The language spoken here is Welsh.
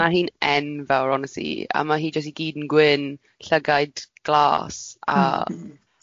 Ma' hi'n enfawr honestly, a ma' hi jyst i gyd yn gwyn, llygaid glas a m-hm.